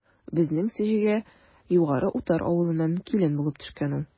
Безнең Сеҗегә Югары Утар авылыннан килен булып төшкән ул.